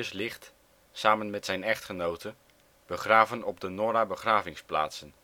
ligt, samen met zijn echtgenote, begraven op de Norra begravningsplatsen